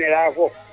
ndaa keene laya fop